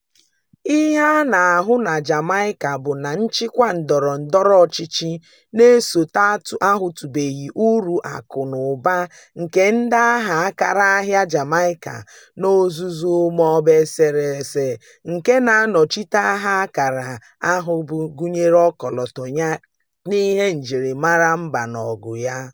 Ihe a na-ahụ na Jamaica bụ na nchịkwa ndọrọ ndọrọ ọchịchị ndị na-esote ahụtụbeghi uru akụ na ụba nke dị n'aha ákàrà ahịa "Jamaica" n'ozuzu ma ọ bụ eserese nke [na-anọchite] aha ákàrà ahụ nke gụnyere ọkọlọtọ ya na ihe njirimara mba n'ọgụ ya.